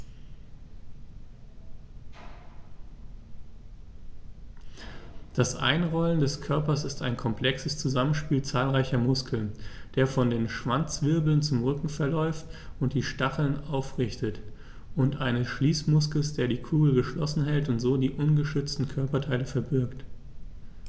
Das Einrollen des Körpers ist ein komplexes Zusammenspiel zahlreicher Muskeln, der von den Schwanzwirbeln zum Rücken verläuft und die Stacheln aufrichtet, und eines Schließmuskels, der die Kugel geschlossen hält und so die ungeschützten Körperteile verbirgt.